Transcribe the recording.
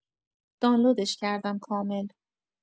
دانلودش کردم کامل.